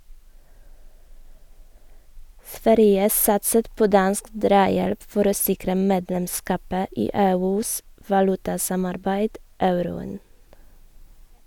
Sverige satset på dansk drahjelp for å sikre medlemskapet i EUs valutasamarbeid euroen.